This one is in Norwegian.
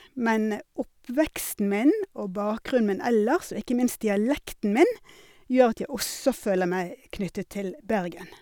Men oppveksten min og bakgrunnen min ellers, og ikke minst dialekten min, gjør at jeg også føler meg knyttet til Bergen.